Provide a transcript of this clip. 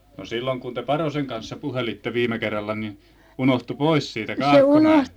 no silloin kun te Parosen kanssa puhelitte viime kerralla niin unohtui pois siitä Kaakkomäestä